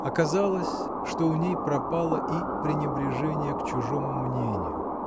Оказалось, что у ней пропало и пренебрежение к чужому мнению.